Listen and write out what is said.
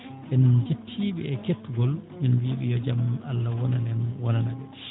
en jettii ɓe e kettagol en mbiyii ɓe yo jam Allah wonan en wonana ɓe